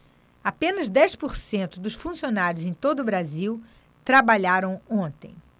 apenas dez por cento dos funcionários em todo brasil trabalharam ontem